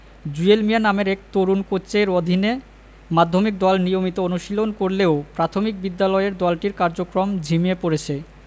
জুয়েল মিয়া নামের এক তরুণ কোচের অধীনে মাধ্যমিক দল নিয়মিত অনুশীলন করলেও প্রাথমিক বিদ্যালয়ের দলটির কার্যক্রম ঝিমিয়ে পড়েছে